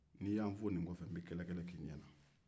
ne ye n fo nin kɔfɛ n bɛ kɛlɛkɛlɛ kɛ i ɲɛ na